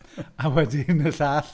A wedyn y llall.